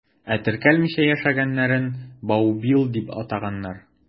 Ә теркәлмичә яшәгәннәрен «баубил» дип атаганнар.